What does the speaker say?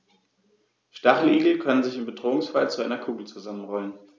Stacheligel können sich im Bedrohungsfall zu einer Kugel zusammenrollen.